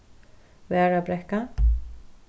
varðabrekka